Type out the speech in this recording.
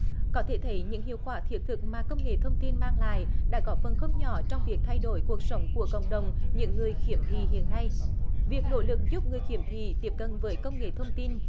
có thể thấy những hiệu quả thiết thực mà công nghệ thông tin mang lại đã góp phần không nhỏ trong việc thay đổi cuộc sống của cộng đồng những người khiếm thị hiện nay việc nỗ lực giúp người khiếm thị tiếp cận với công nghệ thông tin